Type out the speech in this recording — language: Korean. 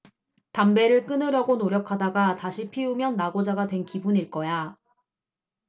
담배를 끊으려고 노력하다가 다시 피우면 낙오자가 된 기분일 거야